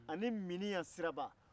ani miniɲan siraba